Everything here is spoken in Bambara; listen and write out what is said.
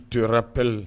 Topɛl